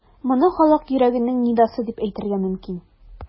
Моны халык йөрәгенең нидасы дип әйтергә мөмкин.